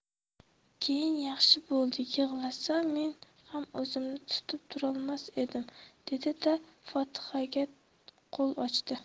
keyin yaxshi bo'ldi yig'lasa men ham o'zimni tutib turolmas edim dedi da fotihaga qo'l ochdi